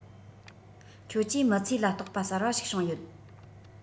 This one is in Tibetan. ཁྱོད ཀྱིས མི ཚེ ལ རྟོག པ གསར པ ཞིག བྱུང ཡོད